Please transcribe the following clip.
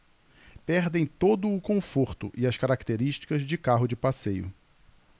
perdem todo o conforto e as características de carro de passeio